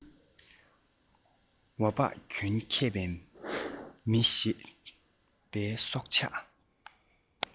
ཝ པགས གྱོན མཁས པའི མི ཞེས པའི སྲོགས ཆགས